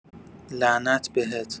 لعنت بهت